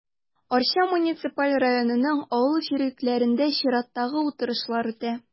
Арча муниципаль районының авыл җирлекләрендә чираттагы утырышлар үтә.